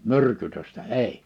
myrkytystä ei